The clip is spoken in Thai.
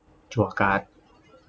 จั่วการ์ด